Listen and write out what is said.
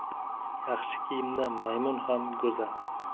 yaxshi kiyimda maymun ham go'zal